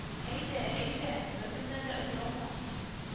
Әйдә-әйдә, беркемнән дә оялма